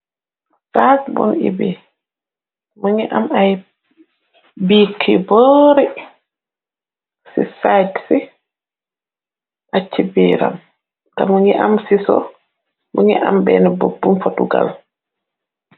Saag bony ebii, mungi am ay bii ki boori, ci syt ci, ak ci biiram, te mungi am siso muni am benn book bum fa tugal.